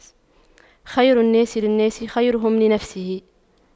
خير الناس للناس خيرهم لنفسه